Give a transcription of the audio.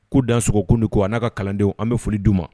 K'u dansɔgɔ k’u ni ko a n'a ka kalandenw an bɛ foli d'u ma